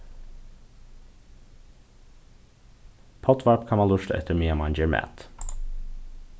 poddvarp kann mann lurta eftir meðan mann ger mat